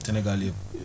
Sénégal yëpp